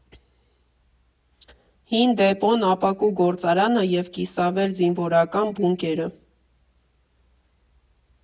Հին դեպոն, ապակու գործարանը և կիսավեր զինվորական բունկերը.